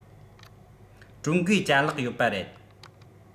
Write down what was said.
ཀྲུང གོའི ལྕ ལག ཡོད པ རེད